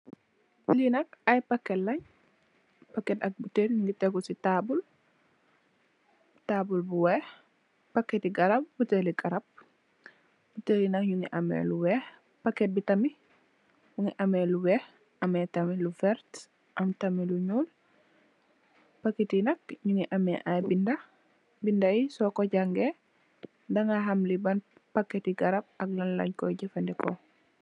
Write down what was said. Lee nak aye packet len packet ak botel nuge tegu se taabul taabul bu weex packete garab botele garab botel ye nuge ameh lu weex packet be tamin muge ameh lu weex ameh tamin lu verte am tamin lu nuul packete nak nuge ameh aye beda beda ye soku jange daga ham le ban packete garab ak lanlenkoye jufaneku.